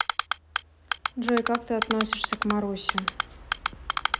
джой как ты относишься к марусе